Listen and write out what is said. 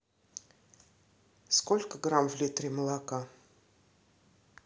сколько грамм в литре молока